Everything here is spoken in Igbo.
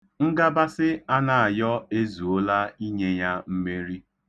Ngabasị Anayọ ezuola inye ya mmeri.